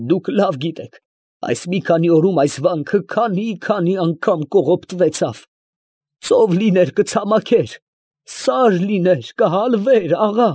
Դուք լավ գիտեք, այս մի քանի օրում այս վանքը քանի՜ քանի՜ անգամ կողոպտվեցավ… ծով լիներ կցամաքեր, սար լիներ, կհալվեր…։